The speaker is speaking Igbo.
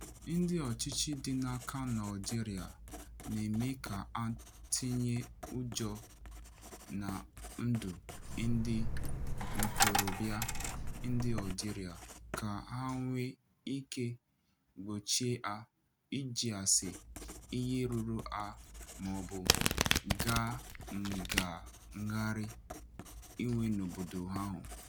Ndị ọchịchị dị n'aka n'Algeria na-eme ka ha tinye ụjọ na ndụ ndị ntorobịa ndị Algeria ka ha nwee ike gbochie há ịjụ ase ihe ruru ha maọbụ gaa ngagharị iwe n'obodo ahụ.